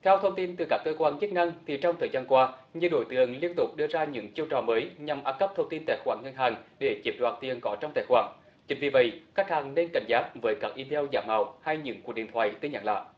theo thông tin từ các cơ quan chức năng thì trong thời gian qua nhiều đối tượng liên tục đưa ra những chiêu trò mới nhằm ăn cắp thông tin tài khoản ngân hàng để chiếm đoạt tiền có trong tài khoản chính vì vậy khách hàng nên cảnh giác với các y meo giả mạo hay những cuộc điện thoại tin nhắn lạ